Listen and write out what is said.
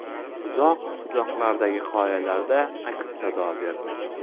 uzoq uzoqlardagi qoyalarda aks sado berdi